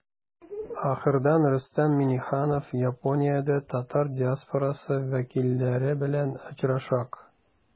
Ахырдан Рөстәм Миңнеханов Япониядә татар диаспорасы вәкилләре белән очрашачак.